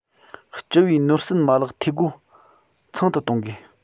སྤྱི པའི ནོར སྲིད མ ལག འཐུས སྒོ ཚང དུ གཏོང དགོས